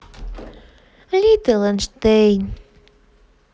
литл энштейн